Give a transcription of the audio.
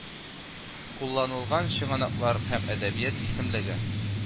Кулланылган чыганаклар һәм әдәбият исемлеге